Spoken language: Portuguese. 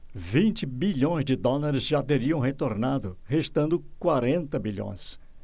vinte bilhões de dólares já teriam retornado restando quarenta bilhões